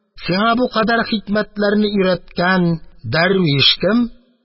Сиңа бу кадәр хикмәтләрне өйрәткән дәрвиш кем?